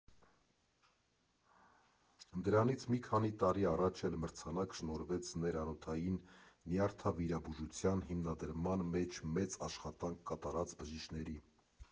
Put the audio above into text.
Դրանից մի քանի տարի առաջ էլ մրցանակ շնորհվեց ներանոթային նյարդավիրաբուժության հիմնադրման մեջ մեծ աշխատանք կատարած բժիշկների։